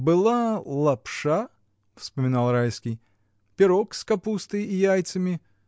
— Была лапша, — вспоминал Райский, — пирог с капустой и яйцами.